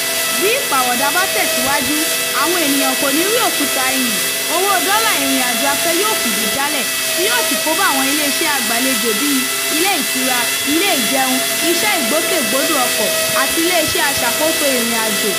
Bí ìpàwọ̀dà bá tẹ̀síwájú, àwọn ènìyàn kò ní rí òkúta iyùn, owó dollar ìrìnàjò afẹ́ yóò fìdí jálẹ̀, tí yóò sì kó bá àwọn iléeṣẹ́ agbàlejò bíi: ilé ìtura, ilé ìjẹun, iṣẹ́ ìgbòkègbodò ọkọ̀ àti ilé iṣẹ́ aṣàkóso ìrìnàjò.